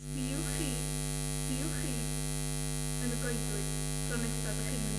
Sbïwch chi, sbïwch chi, yn y goedwig. Tro nesa, 'dach chi'n mynd